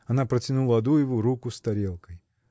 Она протянула Адуеву руку с тарелкой.